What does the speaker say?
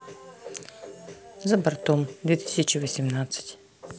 за бортом две тысячи восемнадцать